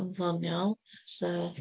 Yn ddoniol, fel...